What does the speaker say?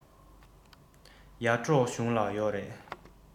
ཡར འབྲོག གཞུང ལ ཡོག རེད